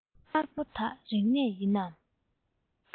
དམར པོ དག རིག གནས ཡིན ནམ